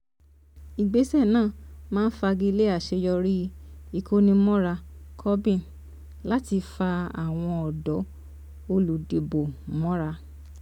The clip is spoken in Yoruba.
Ìgbéṣẹ̀ náà máa fagilé àṣeyọrí ìkónimọ́ra Corbyn láti fa àwọn ọ̀dọ́ olùdìbò mọ́ra.